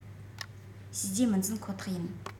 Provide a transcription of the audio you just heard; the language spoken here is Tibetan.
བྱས རྗེས མི འཛིན ཁོ ཐག ཡིན